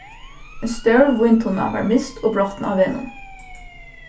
ein stór víntunna varð mist og brotnað á vegnum